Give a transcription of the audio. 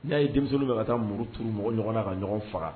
N'a ye denmuso bɛ ka taa muru tu mɔgɔ ɲɔgɔn na ka ɲɔgɔn faga